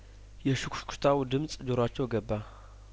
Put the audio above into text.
የሹክሹክታው ድምጽ ጆሮአቸው ገባ